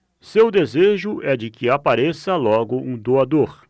seu desejo é de que apareça logo um doador